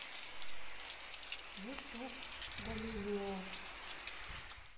ютуб галилео